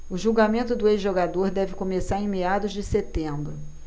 o julgamento do ex-jogador deve começar em meados de setembro